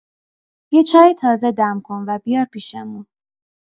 یه چای تازه دم کن و بیار پیشمون